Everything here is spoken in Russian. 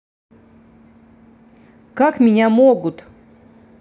как меня могут